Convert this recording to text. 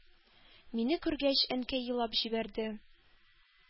Мине күргәч, Әнкәй елап җибәрде,